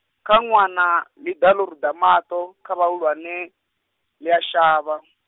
kha ṅwana, ḽi da ḽo ruḓa maṱo, kha vhahulwane, ḽia shavha .